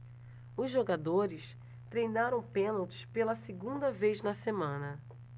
os jogadores treinaram pênaltis pela segunda vez na semana